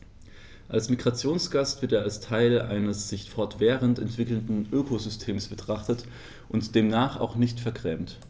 Als Migrationsgast wird er als Teil eines sich fortwährend entwickelnden Ökosystems betrachtet und demnach auch nicht vergrämt.